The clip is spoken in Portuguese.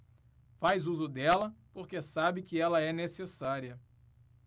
faz uso dela porque sabe que ela é necessária